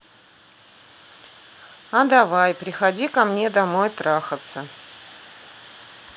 а давай приходи ко мне домой трахаться